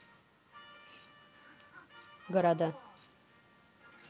города